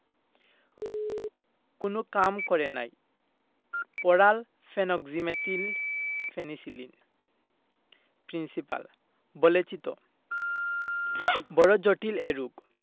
কোন কাম করে নাই ওরাল ফেনোক্সিমেথিল পেনিসিলিন প্রিন্সিপাল বলেছি তো বড় জটিল এ রোগ